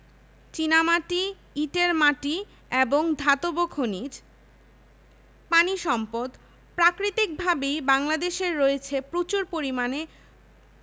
বিপণন sales works ১৪দশমিক ৮ শতাংশ সেবামূলক কর্মকান্ড সার্ভিস ওয়ার্ক্স ৪ দশমিক ৫ শতাংশ